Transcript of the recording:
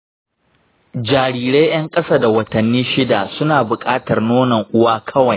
jarirai yan ƙasa da watanni shida suna buƙatar nonon uwa kawai.